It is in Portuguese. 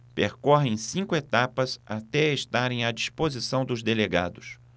percorrem cinco etapas até estarem à disposição dos delegados